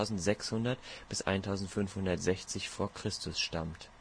um 1600 bis 1560 v. Chr. stammt